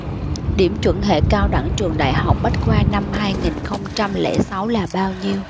điểm chuẩn hệ cao đẳng trường đại học bách khoa năm hai nghìn không trăm lẻ sáu là bao nhiêu